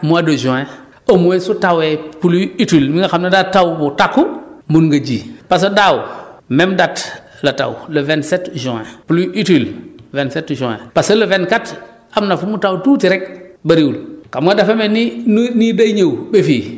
au moins vers la troisième décate mois de de juin au moins su tawee pluie utile bi nga xam ne daa taw mu takku mun nga ji parce que daaw même date la taw le vingt sept juin pluie utile vingt sept juin parce que le vingt quatre am na fu mu taw tuuti rek bëriwul